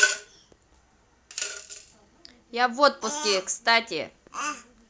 я в отпуске кстати